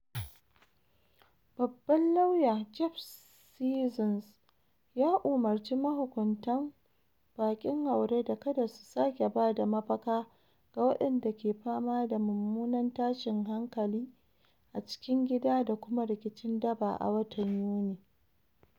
Babban Lauya Jeff Sessions ya umarci mahukuntan bakin haure da kada su sake ba da mafaka ga waɗanda ke fama da mummunar tashin hankali a cikin gida da kuma rikicin daba a watan Yuni.